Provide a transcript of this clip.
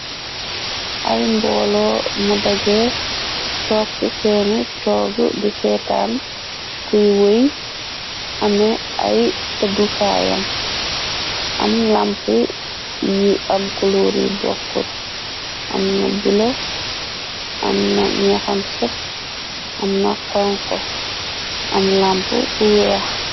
Ay mboolo mu daje toog ca seeni toog di seetaan kuy wëy ame ay tëggukaayam am lamp yu am kuluur yu bokkut amna bula amna ñeexam sep amna xonxo am lamp bu weex.